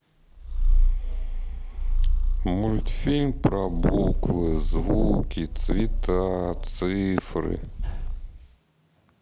мультфильм про буквы звуки цвета цифры